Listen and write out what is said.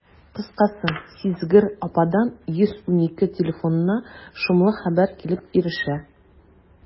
Кыскасы, сизгер ападан «112» телефонына шомлы хәбәр килеп ирешә.